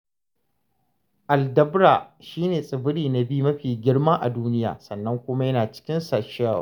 Aldabra shi ne tsibiri na biyu mafi girma a duniya sannan kuma yana cikin Seychelles.